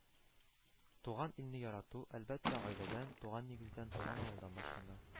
Туган илне ярату, әлбәттә, гаиләдән, туган нигездән, туган авылдан башлана